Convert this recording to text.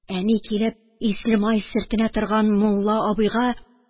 Әни, килеп, ислемай сөртенә торган мулла абыйга: